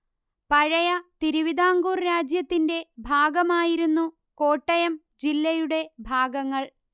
പഴയ തിരുവിതാംകൂർ രാജ്യത്തിന്റെ ഭാഗമായിരുന്നു കോട്ടയം ജില്ലയുടെ ഭാഗങ്ങൾ